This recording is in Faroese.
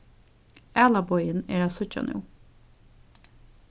ælabogin er at síggja nú